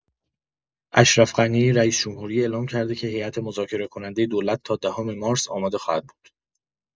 اشرف غنی، رئیس‌جمهوری اعلام کرده که هیئت مذاکره کنندۀ دولت تا دهم مارس آماده خواهد بود.